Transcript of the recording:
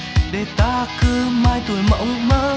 để ta cứ mãi tuổi mộng mơ